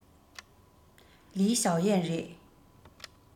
ལིའི ཞའོ ཡན རེད